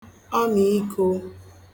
ọmìikō